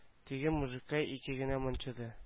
Теге мужикка ике генә манчыды